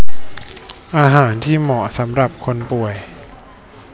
อาหารที่เหมาะสำหรับคนแก่